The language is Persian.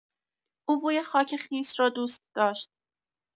او بوی خاک خیس را دوست داشت.